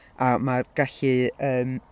A mae'r gallu, yym...